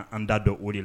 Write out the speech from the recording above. An da dɔn o de la